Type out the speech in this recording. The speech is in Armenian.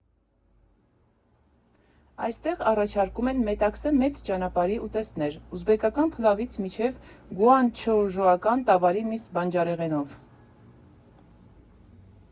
Այստեղ առաջարկում են Մետաքսե մեծ ճանապարհի ուտեստներ՝ ուզբեկական փլավից մինչև գուանչժոական տավարի միս բանջարեղենով։